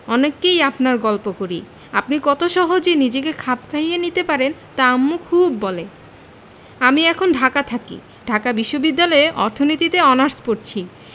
অনেককেই আপনার গল্প করি আপনি কত সহজে নিজেকে খাপ খাইয়ে নিতে পারেন তা আম্মা খুব বলে আমি এখন ঢাকা থাকি ঢাকা বিশ্ববিদ্যালয়ে অর্থনীতিতে অনার্স পরছি